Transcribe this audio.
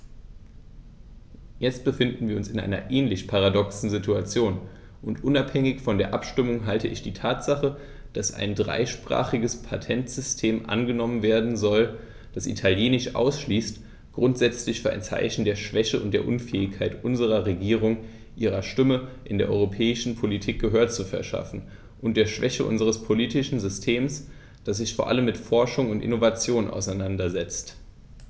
Jetzt befinden wir uns in einer ähnlich paradoxen Situation, und unabhängig von der Abstimmung halte ich die Tatsache, dass ein dreisprachiges Patentsystem angenommen werden soll, das Italienisch ausschließt, grundsätzlich für ein Zeichen der Schwäche und der Unfähigkeit unserer Regierung, ihrer Stimme in der europäischen Politik Gehör zu verschaffen, und der Schwäche unseres politischen Systems, das sich vor allem mit Forschung und Innovation auseinandersetzt.